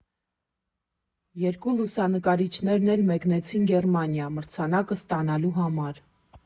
Երկու լուսանկարիչներն էլ մեկնեցին Գերմանիա մրցանակը ստանալու համար։